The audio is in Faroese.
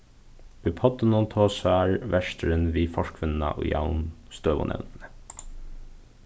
í poddinum tosar verturin við forkvinnuna í javnstøðunevndini